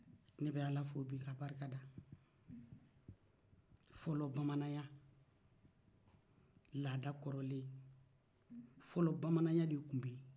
ne bɛ ala fo k'a barida fɔlɔ bamananya laada kɔrɔlen fɔlɔ bamananya de tun bɛ ye